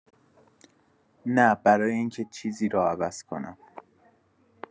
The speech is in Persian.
نه برای اینکه چیزی رو عوض کنم.